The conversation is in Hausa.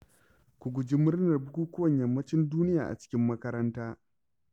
3.Ku guji murnar bukukuwan Yammacin duniya a cikin makaranta.